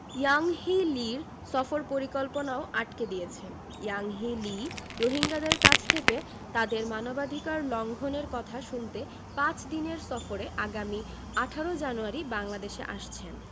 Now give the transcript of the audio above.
Yanghee লির সফর পরিকল্পনাও আটকে দিয়েছে ইয়াংহি লি রোহিঙ্গাদের কাছ থেকে তাদের মানবাধিকার লঙ্ঘনের কথা শুনতে পাঁচ দিনের সফরে আগামী ১৮ জানুয়ারি বাংলাদেশে আসছেন